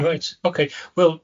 Reit, ok. Well